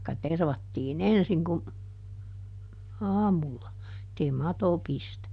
tai tervattiin ensin kun aamulla että ei mato pistä